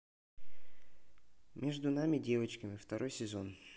между нами девочками второй сезон